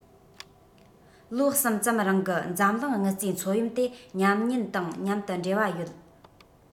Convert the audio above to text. ལོ གསུམ ཙམ རིང གི འཛམ གླིང དངུལ རྩའི མཚོ ཡོམ དེ ཉམས ཉེན དང མཉམ དུ འབྲེལ བ ཡོད